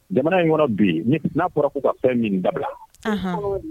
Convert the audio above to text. Jamana in kɔnɔ bi n'a fɔra ko ka fɛn min dabila., anhɔn.